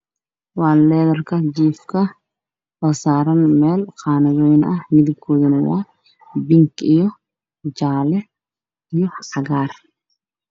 Waa leyrka jiifka oo saaran meel qaanadooyin ah midabkoodu waa bingi, jaale iyo cagaar.